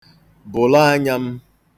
bụ̀lụ anyā m̄